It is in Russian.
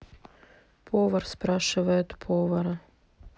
повар спрашивает повара